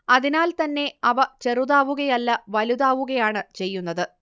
അതിനാൽത്തന്നെ അവ ചെറുതാവുകയല്ല വലുതാവുകയാണ് ചെയ്യുന്നത്